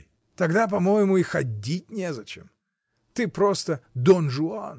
— Тогда, по-моему, и ходить незачем. Ты просто — Дон Жуан!